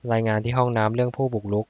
รายงานที่ห้องน้ำเรื่องผู้บุกรุก